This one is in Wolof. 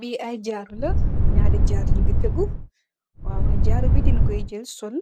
Li ay jaaru la naari jaaru nyu gi tegu waw y jaaru bi den koi jel sol